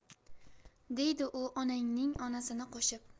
deydi u onangning onasini qo'shib